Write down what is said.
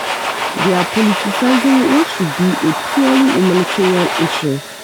"They are politicizing what should be a purely humanitarian issue."